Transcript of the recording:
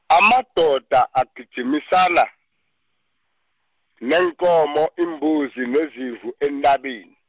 amadoda agijimisana, neenkomo, iimbuzi, nezimvu eentabeni.